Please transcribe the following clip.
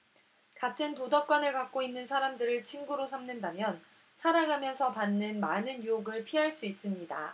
같은 도덕관을 갖고 있는 사람들을 친구로 삼는다면 살아가면서 받는 많은 유혹을 피할 수 있습니다